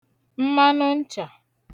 mmanụ nchà